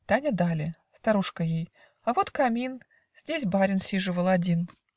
Таня дале; Старушка ей: "А вот камин; Здесь барин сиживал один.